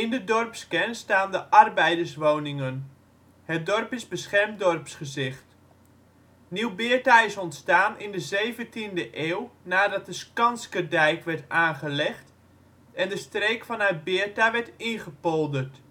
de dorpskern staan de arbeiderswoningen. Het dorp is beschermd dorpsgezicht. De waterstaatskerk van Nieuw-Beerta Ingang naar de hamer en sikkellaan vanaf de weg tussen Beerta en Nieuw-Beerta, een merkteken van de historische aanhang van het communisme in deze streek. Nieuw-Beerta is ontstaan in de zeventiende eeuw nadat de Skanskerdijk werd aangelegd en de streek vanuit Beerta werd ingepolderd